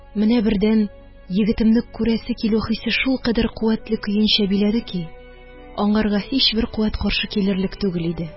Менә бердән егетемне күрәсе килү хисе шулкадәр куәтле көенчә биләде ки, аңарга һичбер куәт каршы килерлек түгел иде.